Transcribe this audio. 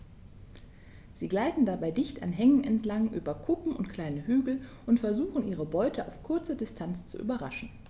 Sie gleiten dabei dicht an Hängen entlang, über Kuppen und kleine Hügel und versuchen ihre Beute auf kurze Distanz zu überraschen.